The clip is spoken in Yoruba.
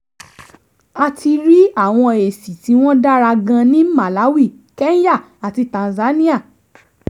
A ti rí àwọn èsì tí wọ́n dára gan ní Malawi, Kenya àti Tanzania.